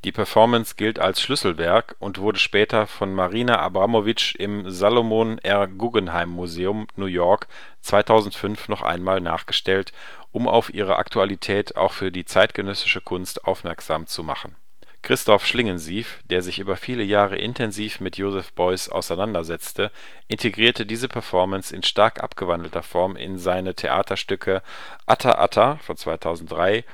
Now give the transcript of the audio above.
Performance gilt als Schlüsselwerk, und wurde später von Marina Abramović im Solomon R. Guggenheim Museum, New York 2005 noch einmal nachgestellt, um auf ihre Aktualität auch für die Zeitgenössische Kunst aufmerksam zu machen. Christoph Schlingensief, der sich über viele Jahre intensiv mit Joseph Beuys auseinandersetzte, integrierte diese Performance in stark abgewandelter Form in seine Theaterstücke Atta Atta (2003